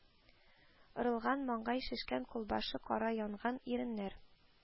Рылган, маңгай шешкән, кулбашы кара янган, иреннәр